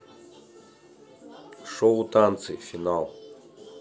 шоу танцы финал